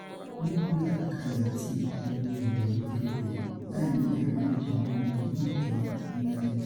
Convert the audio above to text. Ó sọ pé, Nítorí àgbékalẹ̀ àti àwọn ohun elo ni ikọ̀ yìí, làí ní àríyànjiyàn nínú ikọ̀ náà yẹ́ fún Premier league.